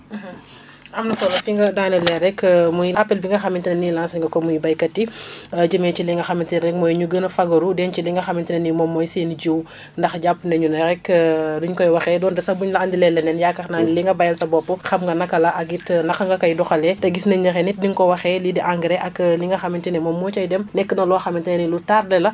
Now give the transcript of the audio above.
am na solo fi nga daaneelee rek muy appel bi nga xamante ne nii lancé nga ko muy béykat yi jëmee ci li nga xamante rek mooy ñu gën a fagaru denc li nga xamante ne nii moom mooy seen i jiw ndax jàpp nañu ne rek nuñ koy waxee donte sax bu ñu la andilee leneen yaakaar ni li nga béyal sa bopp xam nga naka la ak it naka nga koy doxalee te gis nañ ne ren it ni nga ko waxee lii di engrais ak li nga xamante ne moom moo cay dem nekk na loo xamante ne lu tardé la